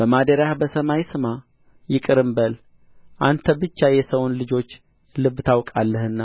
በማደሪያህ በሰማይ ስማ ይቅርም በል አንተ ብቻ የሰውን ልጆች ልብ ታውቃለህና